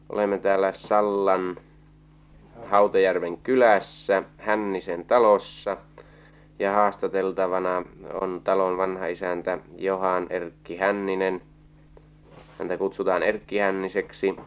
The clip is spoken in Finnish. olemme täällä Sallan Hautajärven kylässä Hännisen talossa ja haastateltavana on talon vanhaisäntä Johan Erkki Hänninen häntä kutsutaan Erkki Hänniseksi